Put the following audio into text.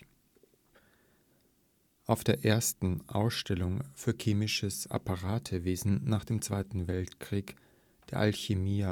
Auf der ersten ' Ausstellung für Chemisches Apparatewesen ' nach dem Zweiten Weltkrieg, der ACHEMA IX